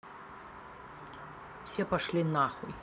все пошли нахуй